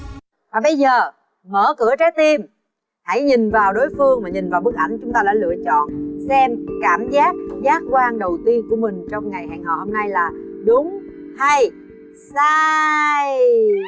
và bây giờ mở cửa trái tim hãy nhìn vào đối phương mà nhìn vào bức ảnh chúng ta đã lựa chọn xem cảm giác giác quan đầu tiên của mình trong ngày hẹn hò hôm nay là đúng hay sai